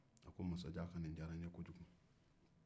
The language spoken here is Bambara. a ko masajan ka nin jara n'ye kojugu